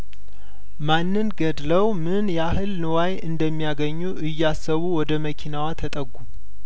ማንን ገድለው ምን ያህል ንዋይ እንደሚያገኙ እያሰቡ ወደ መኪናዋ ተጠጉ